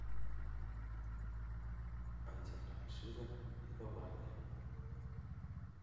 антифраншиза пивоварня